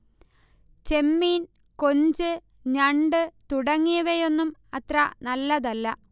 ചെമ്മീൻ, കൊഞ്ച്, ഞണ്ട് തുടങ്ങിയവയൊന്നും അത്ര നല്ലതല്ല